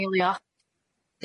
Eilio.